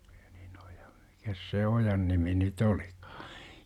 - mikäs se ojan nimi nyt olikaan